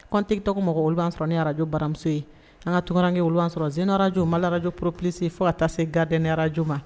Kɔntigi tɔgɔ mɔgɔ olu sɔrɔ ne arajo baramuso ye an ka tunkarakarakɛ wu sɔrɔ zerajo mali araraj pplese fo ka taa se gadɛn arajo ma